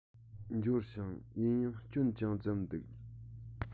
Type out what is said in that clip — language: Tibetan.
འབྱོར བྱུང ཡིན ཡང སྐྱོན ཅུང ཙམ འདུག